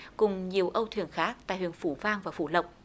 cùng nhiều âu thuyền khác tại huyện phú vang và phú lộc